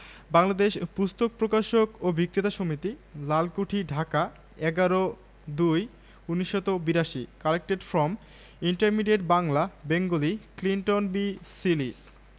বাংলাদেশের স্কুলে পাঠ্য বই বোর্ডকে শিক্ষা উন্নয়নের ক্ষেত্রে যথাযথ ভূমিকা পালনের সুযোগ দিয়ে যাবতীয় স্কুল পাঠ্য বই প্রকাশের দায়িত্ব বাংলাদেশ পুস্তক প্রকাশক ও বিক্রেতা সমিতির সদস্যদের হাতে অর্পণ করা হোক